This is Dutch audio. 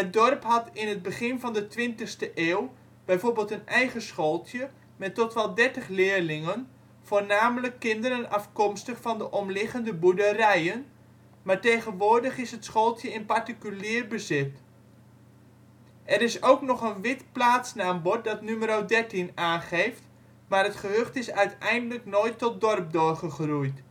dorp had in het begin van de twintigste eeuw bijvoorbeeld een eigen schooltje met tot wel 30 leerlingen, voornamelijk kinderen afkomstig van de omliggende boerderijen, maar tegenwoordig is het schooltje in particulier bezit. Er is ook nog een wit plaatsnaambord dat Numero Dertien aangeeft, maar het gehucht is uiteindelijk nooit tot dorp doorgegroeid